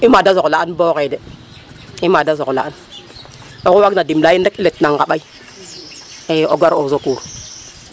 I maada soxla'an bo xaye de, i maada soxla'an oxu waagna dimle a in rek i letnang xa ɓay i o gar au secours.